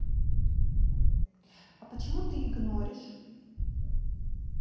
а почему ты игноришь